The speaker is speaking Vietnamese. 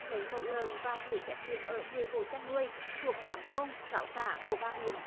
lấy mẫu lợn và gửi xét nghiệm ở mười hộ chăn nuôi thuộc tám thôn sáu xã của ba huyện